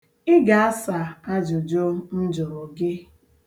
Ị ga-asa ajụjụ m jụrụ gị.